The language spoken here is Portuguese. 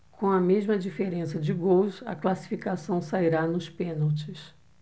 com a mesma diferença de gols a classificação sairá nos pênaltis